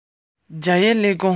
གང ཙམ སོང བར མ ཤེས པར